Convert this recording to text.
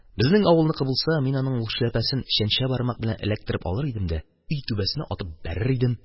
Безнең авылныкы булса, мин аның ул эшләпәсен чәнчә бармак белән эләктереп алыр идем дә өй түбәсенә атып бәрер идем.